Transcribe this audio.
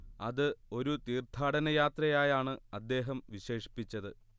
അത് ഒരു തീർത്ഥാടനയാത്രയായാണ് അദ്ദേഹം വിശേഷിപ്പിച്ചത്